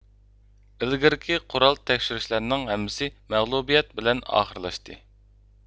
ئىلگىرىكى قورال تەكشۈرۈشلەرنىڭ ھەممىسى مەغلۇبىيەت بىلەن ئاخىرلاشتى